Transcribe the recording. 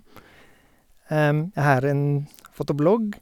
Jeg har en fotoblogg.